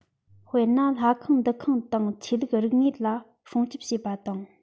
དཔེར ན ལྷ ཁང འདུ ཁང དང ཆོས ལུགས རིག དངོས ལ སྲུང སྐྱོབ བྱེད པ དང